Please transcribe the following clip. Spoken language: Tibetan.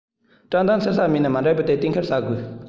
བཀྲག མདངས འཚེར ས མེད ན མ འགྲིག པ དེ གཏན འཁེལ བྱ དགོས